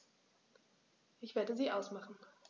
Ich werde sie ausmachen.